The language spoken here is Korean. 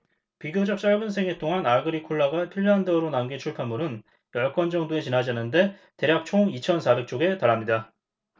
비교적 짧은 생애 동안 아그리콜라가 핀란드어로 남긴 출판물은 열 권 정도에 지나지 않는데 대략 총 이천 사백 쪽에 달합니다